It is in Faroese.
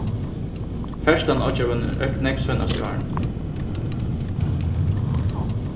ferðslan á oyggjarvegnum er økt nógv seinastu árini